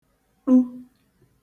ṭu